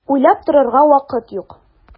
Уйлап торырга вакыт юк!